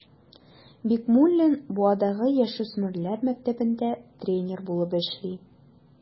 Бикмуллин Буадагы яшүсмерләр мәктәбендә тренер булып эшли.